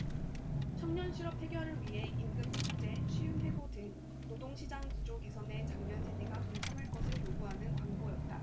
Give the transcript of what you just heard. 청년실업 해결을 위해 임금피크제 쉬운 해고 등 노동시장 구조 개선에 장년 세대가 동참할 것을 요구하는 광고였다